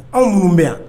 Anw minnu bɛ yan